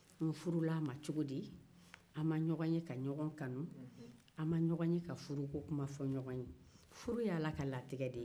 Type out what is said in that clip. an ma ɲɔgɔn ye ka ɲɔgɔn kanu an ma ɲɔgɔn ye ka furuko fɔ ɲɔgɔn ye furu ye ala ka latigɛ de ye